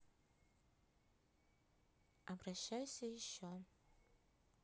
обращайся еще